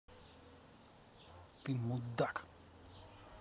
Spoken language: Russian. ты мудак